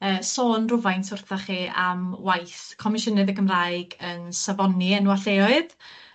yy sôn rwfaint wrthoch chi am waith Comisiynydd y Gymraeg yn safoni enwa' lleoedd